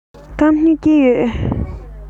སྐམ སྨྱུག གཅིག ཡོད